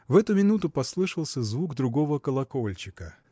В эту минуту послышался звук другого колокольчика